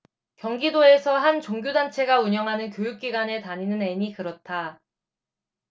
경기도에서 한 종교단체가 운영하는 교육기관에 다니는 앤이 그렇다